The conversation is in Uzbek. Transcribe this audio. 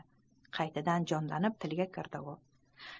qaytadan jonlanib tilga kirdi u